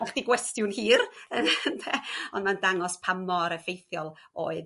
nachdi gwestiwn hir ynde? Ond ma'n dangos pa mor effeithiol oedd